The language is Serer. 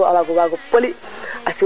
nda bo ndiik waxe forcer a rek ƴewa